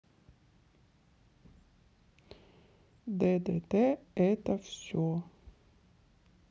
ддт это все